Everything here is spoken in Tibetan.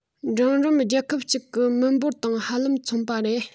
འབྲིང རིམ རྒྱལ ཁབ གཅིག གི མི འབོར དང ཧ ལམ མཚུངས པ རེད